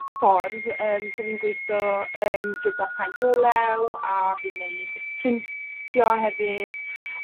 ffordd yym so fi'n gweitho yym gyda paent olew a fi'n neud printio hefyd